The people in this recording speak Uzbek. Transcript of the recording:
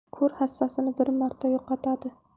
ko'r hassasini bir marta yo'qotadi